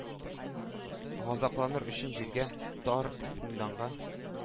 Газапланыр өчен җиргә, тар зинданга.